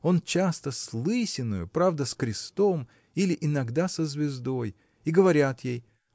Он часто с лысиною, правда с крестом, или иногда со звездой. И говорят ей